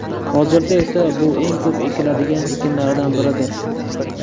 hozirda esa bu eng ko'p ekiladigan ekinlardan biridir